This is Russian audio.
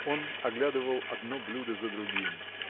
Он оглядывал одно блюдо за другим.